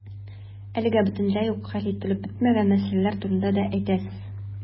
Әлегә бөтенләй үк хәл ителеп бетмәгән мәсьәләләр турында да әйтәсез.